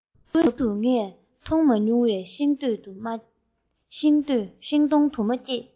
མུ ཁ ཀུན ཏུ ངས མཐོང མ མྱོང བའི ཤིང སྡོང དུ མ སྐྱེས